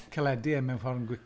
Caledu e mewn ffordd yn- gw-